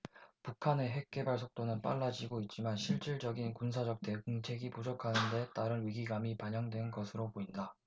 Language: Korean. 북한의 핵개발 속도는 빨라지고 있지만 실질적인 군사적 대응책이 부족하다는 데 따른 위기감이 반영된 것으로 보인다